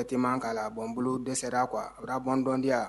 Te man k'a la bɔ bolo dɛsɛ kuwa a bɔndɔdiya